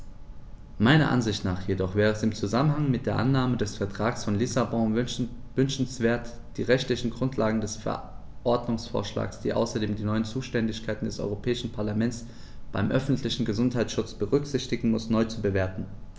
Meiner Ansicht nach jedoch wäre es im Zusammenhang mit der Annahme des Vertrags von Lissabon wünschenswert, die rechtliche Grundlage des Verordnungsvorschlags, die außerdem die neuen Zuständigkeiten des Europäischen Parlaments beim öffentlichen Gesundheitsschutz berücksichtigen muss, neu zu bewerten.